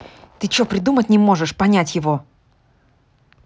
ты че придумать не можешь понять его